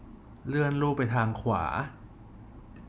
เลื่อนรูปไปทางขวา